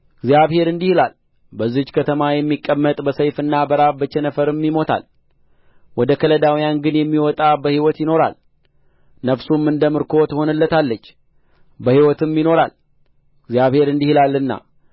እግዚአብሔር እንዲህ ይላል በዚህች ከተማ የሚቀመጥ በሰይፍና በራብ በቸነፈርም ይሞታል ወደ ከለዳውያን ግን የሚወጣ በሕይወት ይኖራል ነፍሱም እንደ ምርኮ ትሆንለታለች በሕይወትም ይኖራል እግዚአብሔር እንዲህ ይላልና